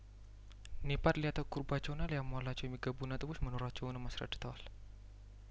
ኔፓድ ሊያተኩር ባቸውና ሊያሟላቸው የሚገቡ ነጥቦች መኖራቸውንም አስረድተዋል